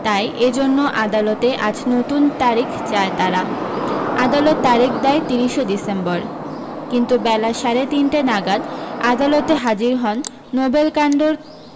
তাই এ জন্য আদালতে আজ নতুন তারিখ চায় তারা আদালত তারিখ দেয় তিরিশে ডিসেম্বর কিন্তু বেলা সাড়ে তিনটে নাগাদ আদালতে হাজির হন নোবেল কাণ্ডর